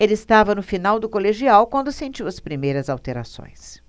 ele estava no final do colegial quando sentiu as primeiras alterações